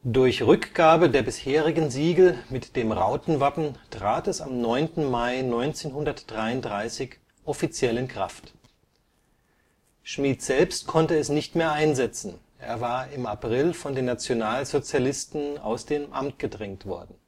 Durch Rückgabe der bisherigen Siegel mit dem Rautenwappen trat es am 9. Mai 1933 offiziell in Kraft. Schmid selbst konnte es nicht mehr einsetzen, er war im April von den Nationalsozialisten aus dem Amt gedrängt worden